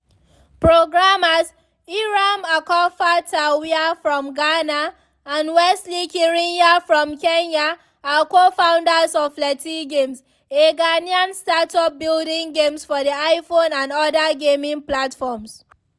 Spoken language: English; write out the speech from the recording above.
Programmers, Eyram Akorfa Tawiah from Ghana and Wesley Kirinya from Kenya are co-founders of Leti Games, a Ghanaian start-up building games for the iPhone and other gaming platforms.